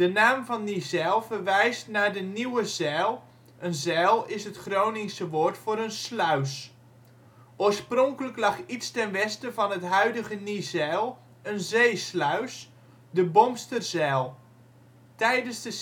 naam van Niezijl verwijst naar de nieuwe zijl; een zijl is het Groningse woord voor een sluis. Oorspronkelijk lag iets ten westen van het huidige Niezijl een zeesluis, de Bomsterzijl. Tijdens de